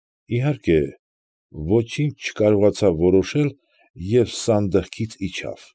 Իհարկե, ոչինչ չկարողացավ որոշել և սանդուղքից իջավ։